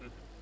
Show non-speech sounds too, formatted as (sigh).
(hesitation) (hesitation)